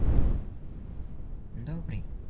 добрый